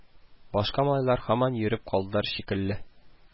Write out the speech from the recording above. Башка малайлар һаман йөреп калдылар шикелле